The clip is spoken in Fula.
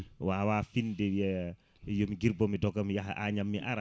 wawa finde wiya yomi guirbo mi doga mi yaaha Agname mi ara